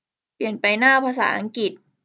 เปลี่ยนเป็นหน้าภาษาอังกฤษ